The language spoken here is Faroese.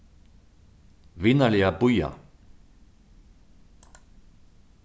vinarliga bíða